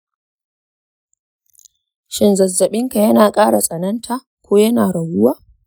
shin zazzaɓinka yana ƙara tsananta ko yana raguwa?